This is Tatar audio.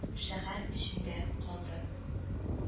Шәһәр эчендә калды